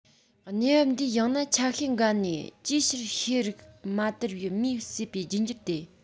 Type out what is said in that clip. གནས བབ འདིས ཡང ན ཆ ཤས འགའ ནས ཅིའི ཕྱིར ཤེས རིག མ དར པའི མིས གསོས པའི རྒྱུད འགྱུར དེ